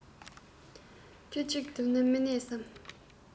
ཁྱུ གཅིག ཏུ ནི མི གནས སམ